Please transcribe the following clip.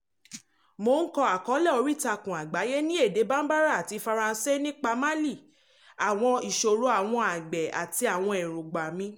Mò ń kọ àkọọ́lẹ̀ oríìtakùn àgbáyé ní èdè Bambara àti Faransé nípa Mali, àwọn ìṣòro àwọn àgbẹ̀, àti àwọn èròńgbà mi.